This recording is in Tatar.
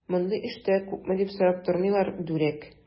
Мондый эштә күпме дип сорап тормыйлар, дүрәк!